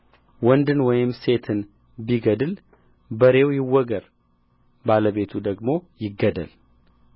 ወንድንም ወይም ሴትን ቢገድል በሬው ይወገር ባለቤቱ ደግሞ ይገደል